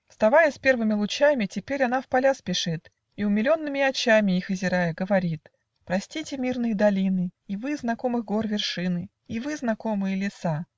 Вставая с первыми лучами, Теперь она в поля спешит И, умиленными очами Их озирая, говорит: "Простите, мирные долины, И вы, знакомых гор вершины, И вы, знакомые леса